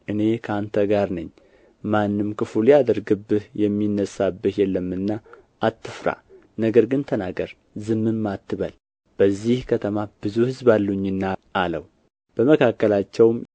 እኔ ከአንተ ጋር ነኝ ማንም ክፉ ሊያደርግብህ የሚነሣብህ የለምና አትፍራ ነገር ግን ተናገር ዝምም አትበል በዚህ ከተማ ብዙ ሕዝብ አሉኝና አለው በመካከላቸውም